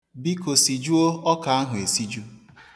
Biko sijuo ọka ahụ esiju.